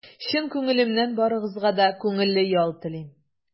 Чын күңелемнән барыгызга да күңелле ял телим!